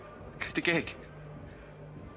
Ca dy geg!